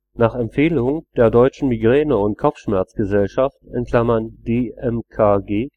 Nach Empfehlung der Deutschen Migräne - und Kopfschmerz-Gesellschaft (DMKG